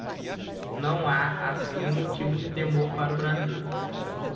não há assim motivo de temor para o brasil